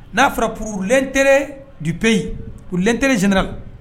N'a fɔra pur tre dupyi p lent jla